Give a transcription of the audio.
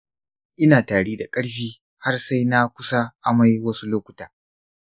ina tari da ƙarfi har sai na kusa amai wasu lokuta.